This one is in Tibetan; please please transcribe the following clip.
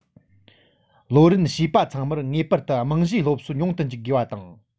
ལོ རན བྱིས པ ཚང མར ངེས པར དུ རྨང གཞིའི སློབ གསོ མྱོང དུ འཇུག དགོས པ དང